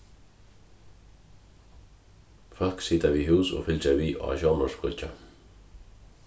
fólk sita við hús og fylgja við á sjónvarpsskíggja